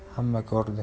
bo'lgani xamma ko'rdi